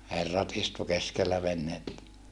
herrat istui keskellä venettä